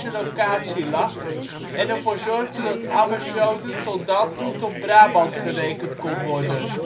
locatie lag en ervoor zorgde dat Ammerzoden tot dan toe tot Brabant gerekend kan worden